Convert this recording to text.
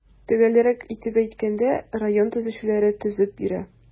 Төгәлрәк итеп әйткәндә, район төзүчеләре төзеп бирә.